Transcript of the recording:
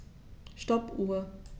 Stoppuhr.